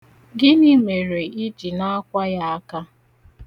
Gịnị mere ị ji na-akwa ya aka?